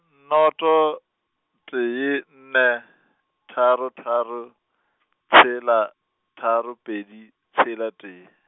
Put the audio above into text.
noto, tee nne, tharo tharo , tshela, tharo pedi, tshela tee.